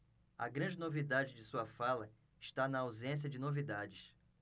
a grande novidade de sua fala está na ausência de novidades